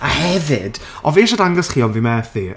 A hefyd, o, fi isie dangos chi, ond fi methu.